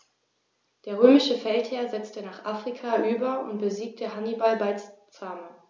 Der römische Feldherr setzte nach Afrika über und besiegte Hannibal bei Zama.